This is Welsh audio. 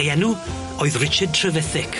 Ei enw oedd Richard Trevithick.